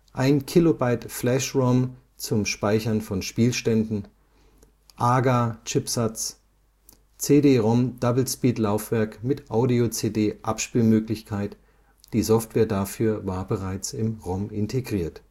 1 KB Flash ROM zum Speichern von Spielständen AGA-Chipsatz CD-ROM Double-Speed-Laufwerk mit Audio-CD-Abspielmöglichkeit (Software im ROM integriert